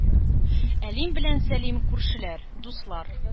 Әлим белән Сәлим – күршеләр, дуслар.